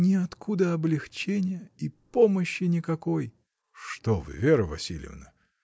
ниоткуда облегчения и помощи никакой! — Что вы, Вера Васильевна!